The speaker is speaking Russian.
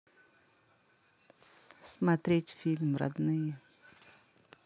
смотреть фильм родные